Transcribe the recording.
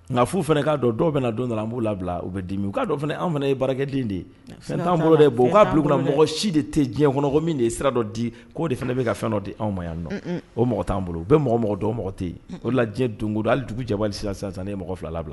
Nka fu fana k'a dɔn dɔw bɛna don dɔrɔn b' labila u bɛ d'mi k'a anw fana ye baaraden de ye fɛn t'an bolo de k'a bila mɔgɔ si de tɛ diɲɛ kɔnɔ min de ye sira dɔ di k'o de fana bɛ ka fɛn dɔ di anw ma yan nɔ o mɔgɔ t'an bolo u bɛ mɔgɔ dɔn mɔgɔ tɛ yen o la diɲɛ don don hali dugu jɛbali sisan sisansan ne ye mɔgɔ filabila